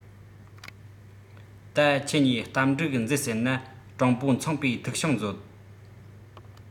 ད ཁྱེད གཉིས གཏམ འགྲིག མཛད ཟེར ན དྲང པོ ཚངས པའི ཐིག ཤིང མཛོད